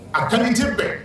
A qualité bɛɛ!